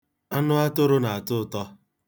Anụatụrụ na-atọ ụtọ.